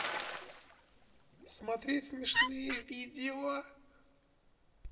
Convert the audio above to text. смотреть смешные видео